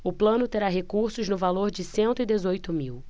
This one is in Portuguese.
o plano terá recursos no valor de cento e dezoito mil